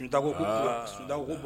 Koda